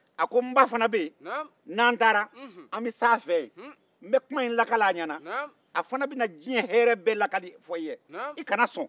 n ba fana bɛ yen n'an taara an bɛ s'a fɛ yen n bɛ kuma in lakal'a ɲɛna a fana bɛna diɲɛ hɛrɛ bɛɛ f'i ye i kana sɔn